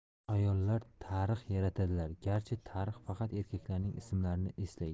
ayollar tarix yaratadilar garchi tarix faqat erkaklarning ismlarini eslaydi